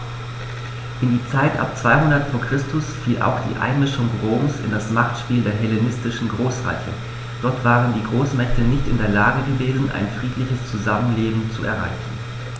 In die Zeit ab 200 v. Chr. fiel auch die Einmischung Roms in das Machtspiel der hellenistischen Großreiche: Dort waren die Großmächte nicht in der Lage gewesen, ein friedliches Zusammenleben zu erreichen.